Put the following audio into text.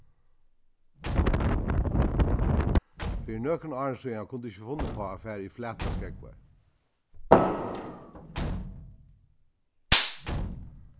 fyri nøkrum árum síðani kundi eg ikki funnið upp á at farið í flatar skógvar